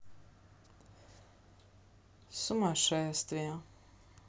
сумасшествие